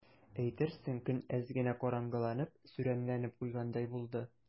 Әйтерсең, көн әз генә караңгыланып, сүрәнләнеп куйгандай булды.